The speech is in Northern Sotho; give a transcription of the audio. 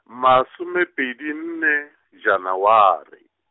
masomepedi nne, Janaware.